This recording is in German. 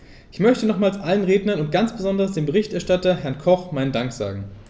Ich möchte nochmals allen Rednern und ganz besonders dem Berichterstatter, Herrn Koch, meinen Dank sagen.